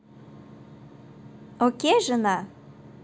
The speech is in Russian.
окей жена